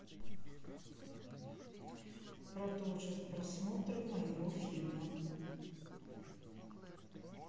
продолжить просмотр моего фильма